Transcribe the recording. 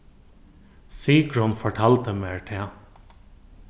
sigrun fortaldi mær tað